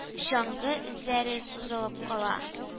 Чаңгы эзләре сузылып кала